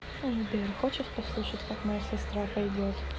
сбер хочешь послушать как моя сестра пойдет